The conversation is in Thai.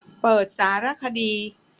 เปิดสารคดี